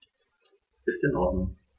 Ist in Ordnung.